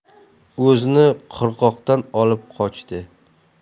o'zini qirg'oqdan olib qochdi